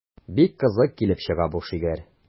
Бик кызык килеп чыга бу шигырь.